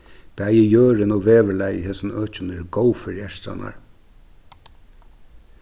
bæði jørðin og veðurlagið í hesum økjum eru góð fyri ertrarnar